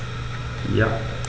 Ja.